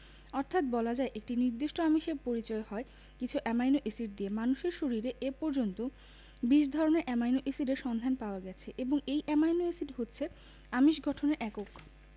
অর্থাৎ বলা যায় একটি নির্দিষ্ট আমিষের পরিচয় হয় কিছু অ্যামাইনো এসিড দিয়ে মানুষের শরীরে এ পর্যন্ত ২০ ধরনের অ্যামাইনো এসিডের সন্ধান পাওয়া গেছে এবং এই অ্যামাইনো এসিড হচ্ছে আমিষ গঠনের একক